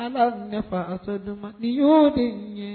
Ala ne a ne ni ɲɔgɔn ni ɲɛ